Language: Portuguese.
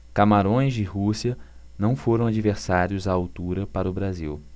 camarões e rússia não foram adversários à altura para o brasil